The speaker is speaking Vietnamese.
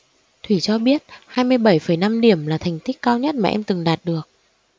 thủy cho biết hai mươi bảy phẩy năm điểm là thành tích cao nhất mà em từng đạt được